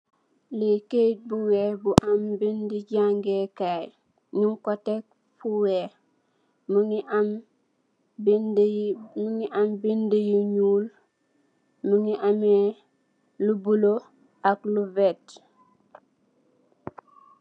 Lii kayit bu weex bu am binde jangekaay, nyun ko teg fu weex, mingi am binde, mingi am binde yu nyuul, mingi ame lu bule, ak lu verte